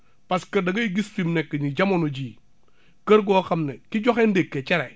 parce que da ngay gis fi mu nekk nii jamono jii kër goo xam ne ki joxe ndékicere